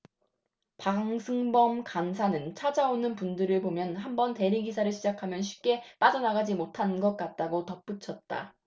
방승범 간사는 찾아오는 분들을 보면 한 번 대리기사를 시작하면 쉽게 빠져나가지 못하는 것 같다고 덧붙였다